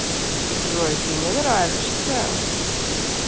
джой ты мне нравишься